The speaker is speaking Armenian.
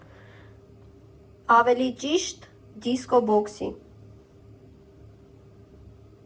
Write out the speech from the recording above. Ավելի ճիշտ՝ դիսկո֊բոքսի։